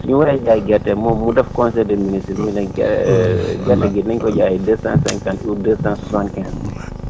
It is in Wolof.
suñu waree jaay gerte moom mu def conseil des ministres pour ne gerte gi deux cent cinquante ou deux cent soixante quinze